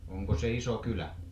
onko se iso kylä